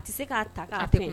A tɛ se k'a ta' kɛnɛ